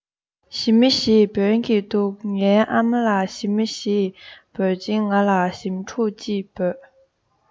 ཞི མི ཞེས འབོད ཀྱིན འདུག ངའི ཨ མ ལ ཞི མ ཞེས འབོད ཅིང ང ལ ཞིམ ཕྲུག ཅེས འབོད